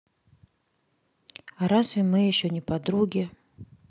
а разве мы еще не подруги